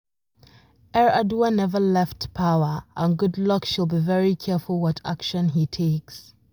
Yar'adua never left power and Goodluck should be very careful what actions he takes.